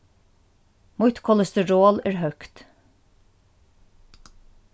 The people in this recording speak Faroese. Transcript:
mítt kolesterol er høgt